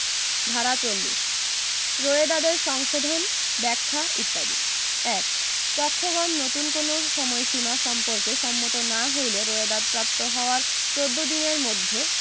ধারা ৪০ রোয়েদাদের সংশোধন ব্যাখ্যা ইত্যাদি ১ পক্ষগণ নতুন কোন সময়সীমা সম্পর্কে সম্মত না হইলে রোয়েদাদ প্রাপ্ত হওয়ার চৌদ্দ দিনের মধ্যে